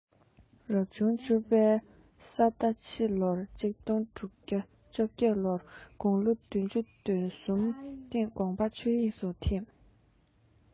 རབ བྱུང དགུ བའི ཤིང རྟ ཕྱི ལོ ༡༥༥༤ ལོར དགུང ལོ དྲུག ཅུ རེ བཞིའི སྟེང དགོངས པ ཆོས དབྱིངས སུ འཐིམས